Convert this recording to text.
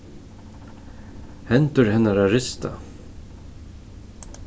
hendur hennara rista